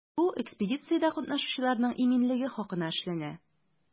Бу экспедициядә катнашучыларның иминлеге хакына эшләнә.